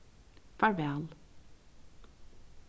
farvæl